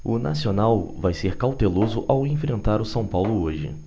o nacional vai ser cauteloso ao enfrentar o são paulo hoje